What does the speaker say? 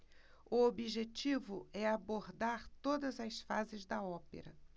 o objetivo é abordar todas as fases da ópera